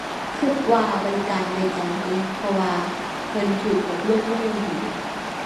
คิดว่าบริการด้วยใจเดะ เพราะว่าเพิ่นคิดอบรมมาอย่างดี